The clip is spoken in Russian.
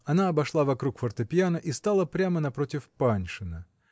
Она обошла вокруг фортепьяно и стала прямо напротив Паншина.